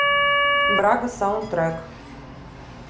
брага саундтрек